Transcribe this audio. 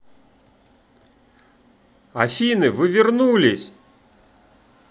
афина вы вернулись